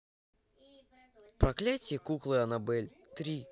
проклятье куклы анабель три